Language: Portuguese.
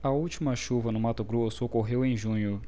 a última chuva no mato grosso ocorreu em junho